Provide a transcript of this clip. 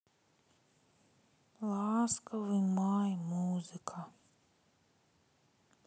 ласковый май музыка